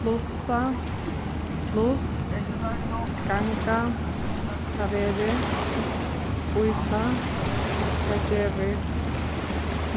plussa pluss ganga tað verður býta hvat gevur